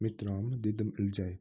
metromi dedim iljayib